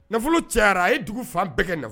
Nafolo cayara a ye dugu fan bɛɛ kɛ na